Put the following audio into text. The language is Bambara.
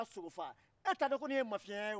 sunkalo kɔni makɔnɔ furu